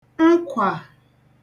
nkwà